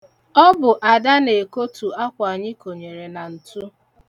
Ọ bụ Ada na-ekotu akwa anyị konyere na ntu.